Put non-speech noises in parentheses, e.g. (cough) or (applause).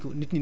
(hesitation) (hesitation)